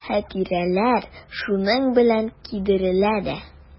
Хатирәләр шуның белән кадерле дә.